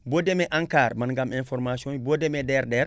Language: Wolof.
boo demee Ancar mën ngaa am information yi boo demee demee DEr DER